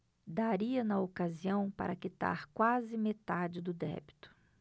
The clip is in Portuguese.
daria na ocasião para quitar quase metade do débito